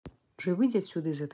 джой выйди отсюда из этой